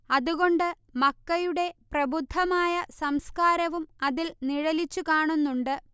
അത് കൊണ്ട് മക്കയുടെ പ്രബുദ്ധമായ സംസ്കാരവും അതിൽ നിഴലിച്ചു കാണുന്നുണ്ട്